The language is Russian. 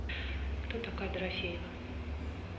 кто такая дорофеева